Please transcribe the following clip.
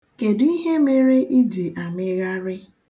kedụ ihe mere i ji amịgharị?